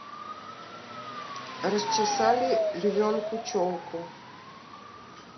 расчесали львенку челку